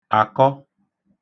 àkọ